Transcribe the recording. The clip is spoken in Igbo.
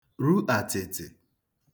ru atịtị